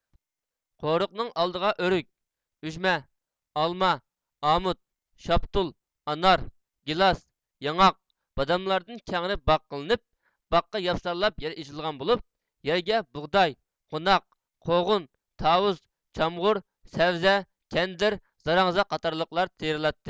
قورۇقنىڭ ئالدىغا ئۆرۈك ئۈجمە ئالما ئامۇت شاپتۇل ئانار گىلاس ياڭاق باداملاردىن كەڭرى باغ قىلىنغان باغقا ياپسارلاپ يەر ئېچىلغان بولۇپ يەرگە بۇغداي قوناق قوغۇن تاۋۇز چامغۇر سەۋزە كەندىر زاراڭزا قاتارلىقلار تېرىلاتتى